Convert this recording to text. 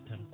tan